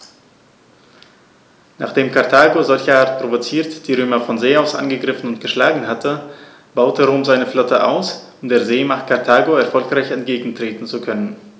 Nachdem Karthago, solcherart provoziert, die Römer von See aus angegriffen und geschlagen hatte, baute Rom seine Flotte aus, um der Seemacht Karthago erfolgreich entgegentreten zu können.